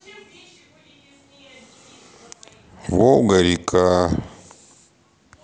волга река